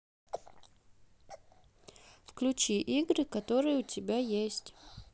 включи игры которые у тебя есть